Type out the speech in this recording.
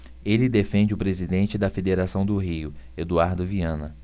ele defende o presidente da federação do rio eduardo viana